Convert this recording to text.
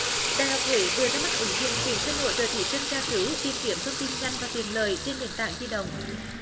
đại học huế vừa ra mắt ứng dụng tuyển sinh hỗ trợ thí sinh tra cứu tìm kiếm thông tin nhanh và tiện lợi trên nền tảng di động